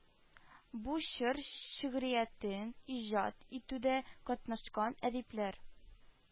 Бу чор шигъриятен иҗат итүдә катнашкан әдипләр